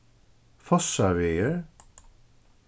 fossávegur